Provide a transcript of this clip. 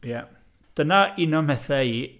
Ia. Dyna un o'm mhethau i.